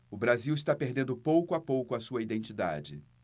o brasil está perdendo pouco a pouco a sua identidade